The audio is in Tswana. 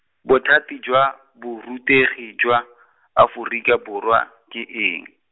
bothati jwa, borutegi jwa, Aforika Borwa, ke eng?